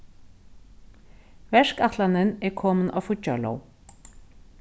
verkætlanin er komin á fíggjarlóg